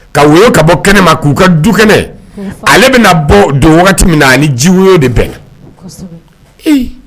Ka woyo ka bɔ kɛnɛma k'u ka dukɛnɛ, ale bɛna bɔ don wagati min na ani jiwoyo de bɛnna, kosɛbɛ